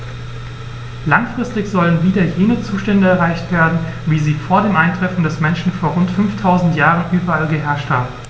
Langfristig sollen wieder jene Zustände erreicht werden, wie sie vor dem Eintreffen des Menschen vor rund 5000 Jahren überall geherrscht haben.